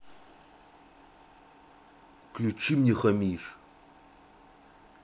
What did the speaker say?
включи мне хамишь